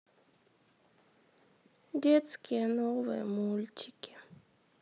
детские новые мультики